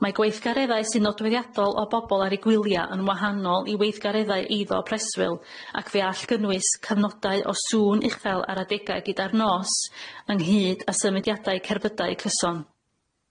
Mae gweithgareddau sy'n nodweddiadol o bobol ar eu gwylia yn wahanol i weithgareddau eiddo preswyl ac fe all gynnwys cyfnodau o sŵn uchel ar adegau gyda'r nos ynghyd â symudiadau cerbydau cyson.